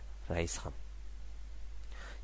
rais ham